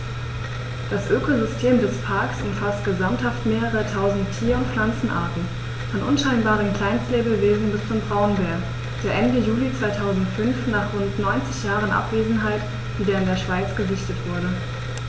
Das Ökosystem des Parks umfasst gesamthaft mehrere tausend Tier- und Pflanzenarten, von unscheinbaren Kleinstlebewesen bis zum Braunbär, der Ende Juli 2005, nach rund 90 Jahren Abwesenheit, wieder in der Schweiz gesichtet wurde.